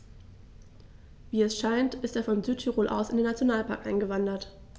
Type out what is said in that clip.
Wie es scheint, ist er von Südtirol aus in den Nationalpark eingewandert.